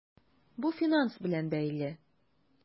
Бу финанс белән бәйле.